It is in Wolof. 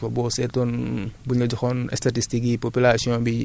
ñu ngi naan augmentation de la population mondilae